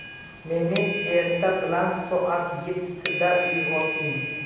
meni erta bilan soat yettida uyg'oting